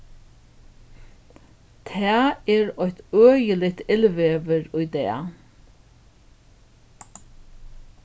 tað er eitt øgiligt illveður í dag